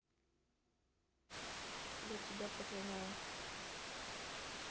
я тебя проклинаю